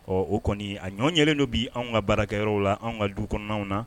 Ɔɔ o kɔni a ɲɔɲɛlen don bi anw ka baara kɛ yɔrɔw la anw ka du kɔnɔnaw la